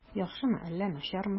Яхшымы әллә начармы?